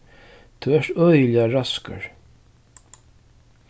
tú ert øgiliga raskur